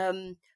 ym